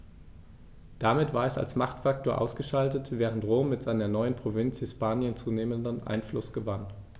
Damit war es als Machtfaktor ausgeschaltet, während Rom mit seiner neuen Provinz Hispanien zunehmend an Einfluss gewann.